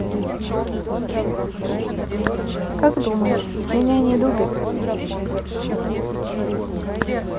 как думаешь меня не любит